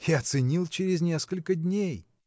и оценил через несколько дней!